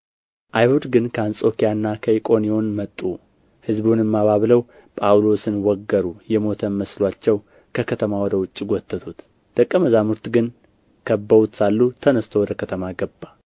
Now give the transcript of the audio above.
አይሁድ ግን ከአንጾኪያና ከኢቆንዮን መጡ ሕዝቡንም አባብለው ጳውሎስን ወገሩ የሞተም መስሎአቸው ከከተማ ወደ ውጭ ጐተቱት ደቀ መዛሙርት ግን ከበውት ሳሉ ተነስቶ ወደ ከተማ ገባ